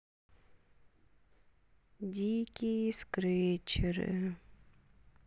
дикие скретчеры